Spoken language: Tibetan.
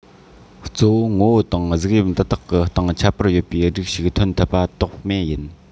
གཙོ བོ ངོ བོ དང གཟུགས དབྱིབས འདི དག གི སྟེང ཁྱད པར ཡོད པའི རིགས ཤིག ཐོན ཐུབ པ དོགས མེད ཡིན